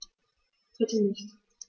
Bitte nicht.